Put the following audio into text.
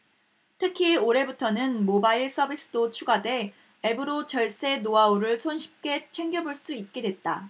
특히 올해부터는 모바일 서비스도 추가돼 앱으로 절세 노하우를 손쉽게 챙겨볼 수 있게 됐다